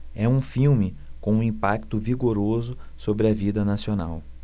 é um filme com um impacto vigoroso sobre a vida nacional